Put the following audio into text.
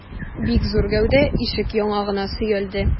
Бик зур гәүдә ишек яңагына сөялде.